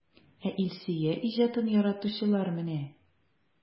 Ә Илсөя иҗатын яратучылар менә!